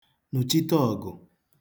nụ̀chite ọ̀gụ̀